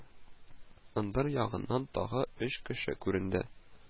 Ындыр ягыннан тагы өч кеше күренде